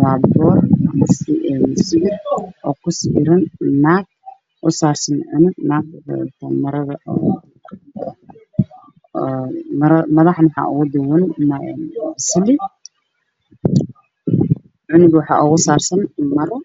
Waa boor waxaa kusawiran naag oo saarsan cunug madaxa waxaa ugu duuban sali cunuga waxaa kuwadata maro